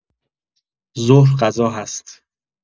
ظهر غذا هست.